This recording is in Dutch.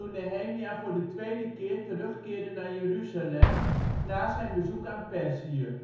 Nehemia voor de tweede keer terugkeerde naar Jeruzalem na zijn bezoek aan Perzië